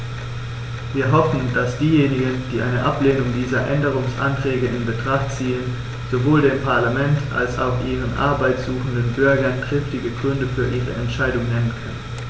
Wir hoffen, dass diejenigen, die eine Ablehnung dieser Änderungsanträge in Betracht ziehen, sowohl dem Parlament als auch ihren Arbeit suchenden Bürgern triftige Gründe für ihre Entscheidung nennen können.